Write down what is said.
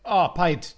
O, paid.